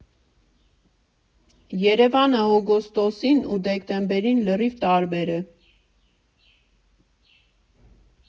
Երևանը օգոստոսին ու դեկտեմբերին լրիվ տարբեր է։